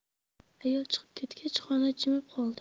ayol chiqib ketgach xona jimib qoldi